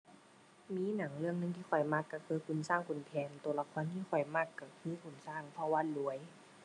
มีหนังเรื่องหนึ่งที่ข้อยมักก็คือขุนก็ขุนแผน ตัวละครที่ข้อยมักก็คือขุนก็เพราะว่ารวย